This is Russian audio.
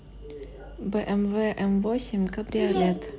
бмв м восемь кабриолет